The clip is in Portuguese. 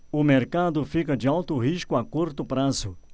o mercado fica de alto risco a curto prazo